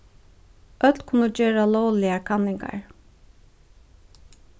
øll kunnu gera lógligar kanningar